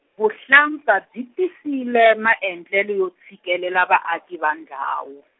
Vuhlampfa byi tisile maendlelo yo tshikelela vaaki va ndhawu.